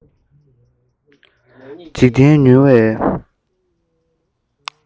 འཇིག རྟེན ཉུལ བའི